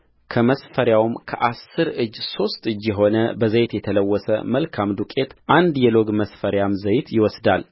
ከመስፈሪያው ከአሥር እጅ ሦስት እጅ የሆነ በዘይት የተለወሰ መልካም ዱቄት አንድ የሎግ መስፈሪያም ዘይት ይወስዳል